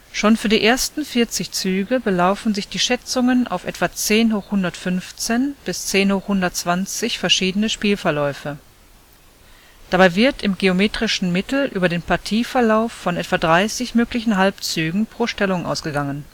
Schon für die ersten 40 Züge belaufen sich die Schätzungen auf etwa 10115 bis 10120 verschiedene Spielverläufe. Dabei wird im geometrischen Mittel über den Partieverlauf von etwa 30 möglichen Halbzügen pro Stellung ausgegangen